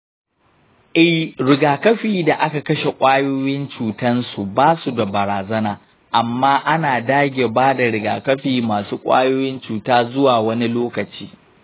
eh, rigakafin da aka kashe ƙwayoyin cutar cikinsu ba su da barazana. amma ana ɗage ba da rigakafi masu ƙwayoyin cuta zuwa wani lokaci.